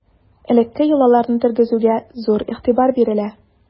Элекке йолаларны тергезүгә зур игътибар бирелә.